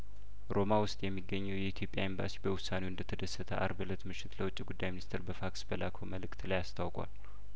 ሮማ ውስጥ የሚገኘው የኢትዮጵያ ኤምባሲ በውሳኔው እንደተደሰተ አርብ እለት ምሽት ለውጭ ጉዳይ ሚኒስተር በፋክስ በላከው መልእክት ላይ አስ ታውቋል